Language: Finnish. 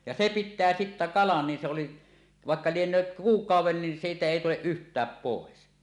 ja se pitää sitten kalan niin se oli vaikka lienee kuukauden niin siitä ei tule yhtään pois